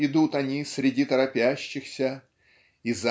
идут они среди торопящихся и